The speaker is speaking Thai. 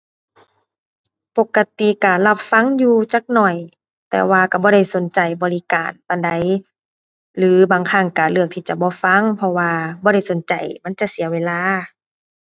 ปกติก็รับฟังอยู่จักหน่อย แต่ว่าก็บ่ได้สนใจบริการปานใด หรือบางครั้งก็เลือกที่จะบ่ฟัง เพราะว่าบ่ได้สนใจ มันจะเสียเวลา